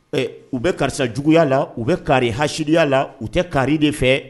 Ɛɛ u bɛ karisa juguyaya la u bɛ kari haya la u tɛ ka de fɛ